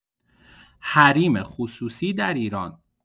حریم خصوصی در ایران